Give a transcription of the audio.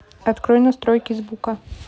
открой настройки звука